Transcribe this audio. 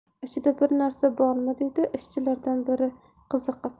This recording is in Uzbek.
ichida bir narsa bormi dedi ishchilardan biri qiziqib